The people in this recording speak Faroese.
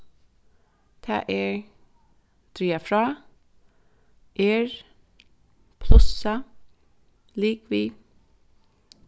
tað er draga frá er plussa ligvið